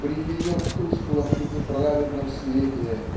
при ее тусклом и неправедном свете